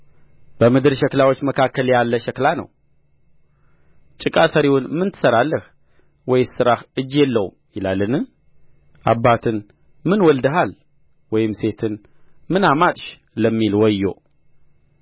በምድር ሸክላዎች መካከል ያለ ሸክላ ነው ጭቃ ሠሪውን ምን ትሠራለህ ወይስ ሥራህ እጅ የለውም ይላልን አባትን ምን ወልደሃል ወይም ሴትን ምን አማጥሽ ለሚል ወዮ